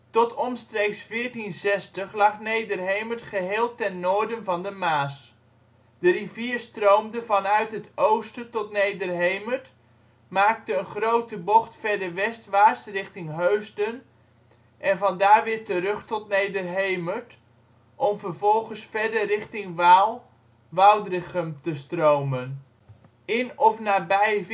Tot omstreeks 1460 lag Nederhemert geheel ten noorden van de Maas. De rivier stroomde vanuit het oosten tot Nederhemert, maakte een grote bocht verder westwaarts richting Heusden en vandaar weer terug tot Nederhemert, om vervolgens verder richting Waal (Woudrichem) te stromen. In of nabij 1460